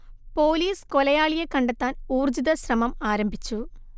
police കൊലയാളിയെ കണ്ടെത്താൻ ഊർജ്ജിത ശ്രമം ആരംഭിച്ചു